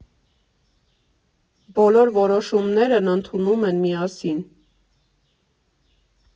Բոլոր որոշումներն ընդունում են միասին։